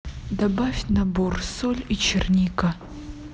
добавь набор соль и черника